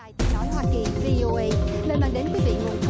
đài tiếng nói hoa kỳ vi âu ây nơi mang đến quý